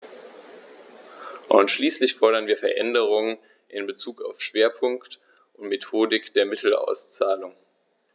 Und schließlich fordern wir Veränderungen in bezug auf Schwerpunkt und Methodik der Mittelauszahlung.